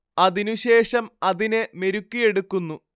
അതിനു ശേഷം അതിനെ മെരുക്കിയെടുക്കുന്നു